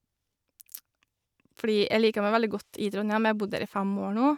Fordi jeg liker meg veldig godt i Trondhjem, jeg har bodd her i fem år nå.